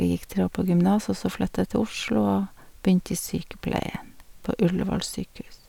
Jeg gikk tre år på gymnas, og så flytta jeg til Oslo og begynte i sykepleien på Ullevål sykehus.